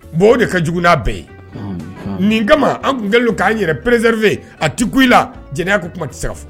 Bon o de ka jugu bɛɛ ye nin kama an kun kɛlen k'an yɛrɛ perezerie a tɛla jɛnɛ ko kuma tɛ se ka fɔ